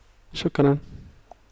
شكرا